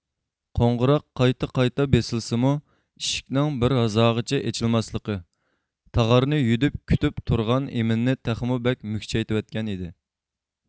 قوڭغۇراق قايتا قايتا بېسىلسىمۇ ئىشىكنىڭ بىر ھازاغىچە ئېچىلماسلىقى تاغارنى يۈدۈپ كۈتۈپ تۇرغان ئىمىننى تېخىمۇ بەك مۈكچەيتىۋەتكەن ئىدى